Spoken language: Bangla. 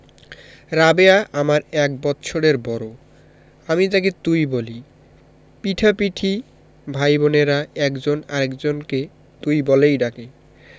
রাবেয়া আমার এক বৎসরের বড় আমি তাকে তুই বলি পিঠাপিঠি ভাই বোনের একজন আরেক জনকে তুই বলেই ডাকে